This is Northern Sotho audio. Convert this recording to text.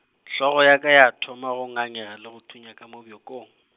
hlogo ya ka ya thoma go ngangega le go thunya ka mo bjokong.